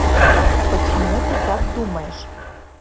почему ты так думаешь